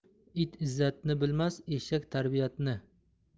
it izzatni bilmas eshak tarbiyatni